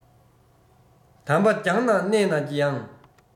དམ པ རྒྱང ན གནས ན ཡང